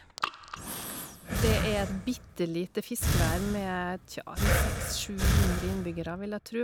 Det er et bitte lite fiskevær med, tja, en seks sju hundre innbyggere, vil jeg tru.